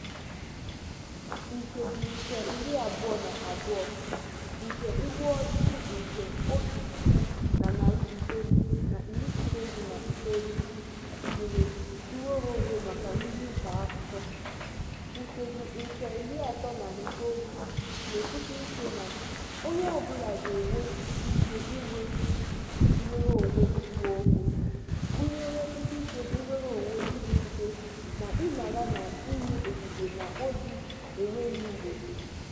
Nkebi nke 24 nke Nigeria's Cybercrime Act na-eme ka "onye ọbụla nke na-agbasa ozi ọ maara na ọ bụ ụgha, maka ebumnuche mkpalị iwe, mmekpa ahụ, ihe egwu, mgbochi, mkparị, mmerụ ahụ, iyi egwu mpụ, iro, akpọmasị, obi ọjọọ mọọbụ obi mmapu n'enweghị isi nye onye ọzọ mọọbụ mee ka e ziga ụdịrị ozi dị otú ahụ."